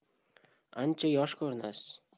ancha yosh ko'rinasiz